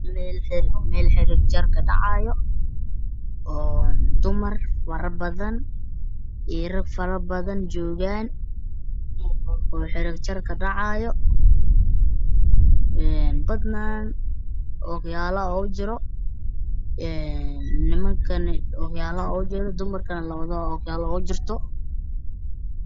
Meel xarig jar ka dhacaayo oo dumar faro badan iyo rag faro badan joogaan oo xarig jar ka dhacaayo badanaa ookiyaalo ugu jiro een nimankana ookiyaalo ogu jiro dumarkana labduba ookiyaalo ogu jirto